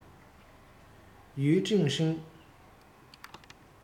ཡུས ཀྲེང ཧྲེང